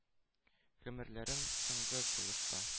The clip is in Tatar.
Гомерләрен соңгы сулышта